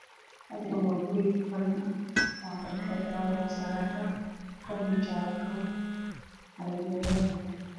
Halkan waa guri qalin ah waxa kabaxay falawar waana cagar io jale